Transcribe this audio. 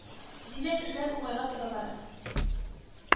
Димәк, эшләр уңайга таба бара